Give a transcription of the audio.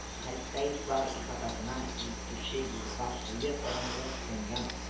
Хәлтәевлар ихатасына илтүче юлга куе караңгылык сеңгән